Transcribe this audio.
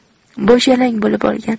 bosh yalang bo'lib olgan